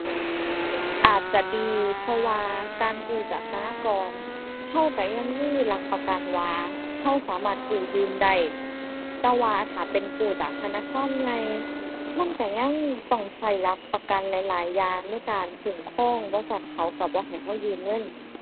อาจจะดี เพราะว่าการกู้จากสหกรณ์เราเรายังมีหลักประกันว่าเราสามารถกู้ยืมได้ แต่ว่าถ้าเป็นกู้จากธนาคารใหญ่มันเรายังต้องเราหลักประกันหลายหลายอย่างในการคุ้มครอง บ่ซั้นเขาเราบ่ให้เรายืมเงิน